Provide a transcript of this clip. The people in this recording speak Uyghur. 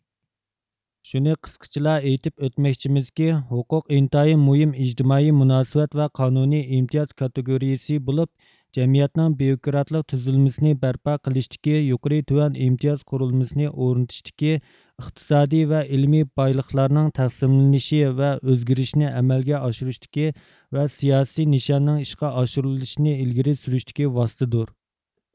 شۇنى قىسقىچىلا ئېيتىپ ئۆتمەكچىمىزكى ھوقۇق ئىنتايىن مۇھىم ئىجتىمائىي مۇناسىۋەت ۋە قانۇنىي ئىمتىياز كاتېگورىيىسى بولۇپ جەمئىيەتنىڭ بيۇروكراتلىق تۈزۈلمىسىنى بەرپا قىلىشتىكى يۇقىرى تۆۋەن ئىمتىياز قۇرۇلمىسىنى ئورنىتىشتىكى ئىقتىسادىي ۋە ئىلمىي بايلىقلارنىڭ تەقسىملىنىشى ۋە ئۆزگىرىشىنى ئەمەلگە ئاشۇرۇشتىكى ۋە سىياسىي نىشاننىڭ ئىشقا ئاشۇرۇلۇشىنى ئىلگىرى سۈرۈشتىكى ۋاسىتىدۇر